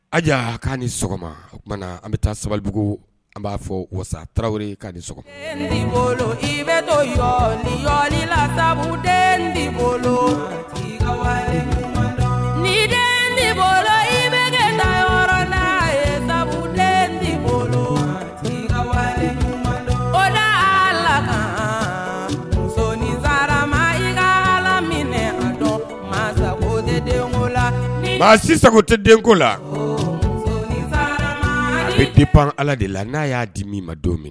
Ayiwa k'a ni sɔgɔma o tumaumana an bɛ taa sabalibugu an b'a fɔ wa tarawele ka di bolo i bɛ donɔrɔnɔrɔn lasa den bolo ni den bolo i bɛ ne lala bolo la lasoninsa inkala minɛ masago ne dengo la baasi sisansa tɛ denko lasa bi bi pan ala de la n'a y'a di min ma don min